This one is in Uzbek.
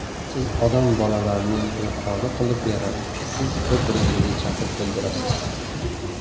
siz odam bolalarini yuqori qilib yaratdi siz bir biringizni chaqib o'ldirasiz